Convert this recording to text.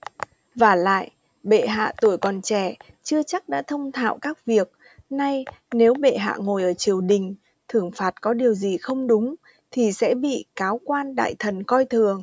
vả lại bệ hạ tuổi còn trẻ chưa chắc đã thông thạo các việc nay nếu bệ hạ ngồi ở triều đình thưởng phạt có điều gì không đúng thì sẽ bị cáo quan đại thần coi thường